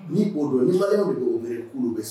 Ni olu ni' bɛ' bɛ